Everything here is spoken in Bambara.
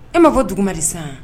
E ma fɔ ko dugumadi san